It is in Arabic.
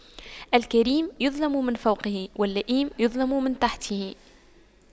الكريم يظلم من فوقه واللئيم يظلم من تحته